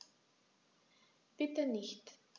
Bitte nicht.